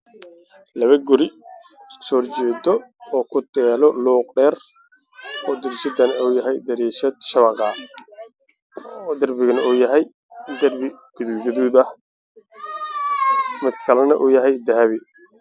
Waa guri midabkiisii yahay jaalo darbi wa ajaalo